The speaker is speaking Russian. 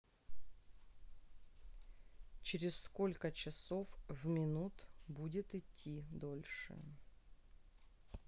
через сколько часов в минут будет идти дольше